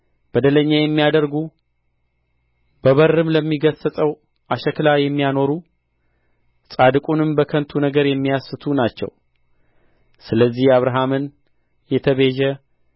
በደለኛ የሚያደርጉ በበርም ለሚገሥጸው አሽክላ የሚያኖሩ ጻድቁንም በከንቱ ነገር የሚያስቱ ናቸው ስለዚህ አብርሃምን የተቤዠ